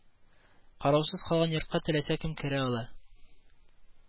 Караусыз калган йортка теләсә кем керә ала